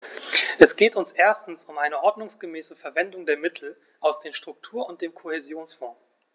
Es geht uns erstens um eine ordnungsgemäße Verwendung der Mittel aus den Struktur- und dem Kohäsionsfonds.